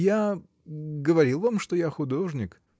— Я. говорил вам, что я художник.